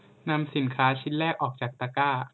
นำสินค้าชิ้นแรกออกจากตะกร้า